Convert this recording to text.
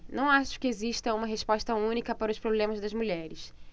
não acho que exista uma resposta única para os problemas das mulheres